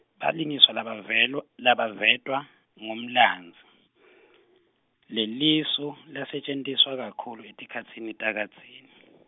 balingiswa labavevelo-, labavetwa, ngumlandzi , lelisu, lalisetjentiswa kakhulu, etikhatsini takadzeni .